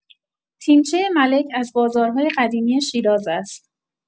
تیمچه ملک از بازارهای قدیمی شیراز است.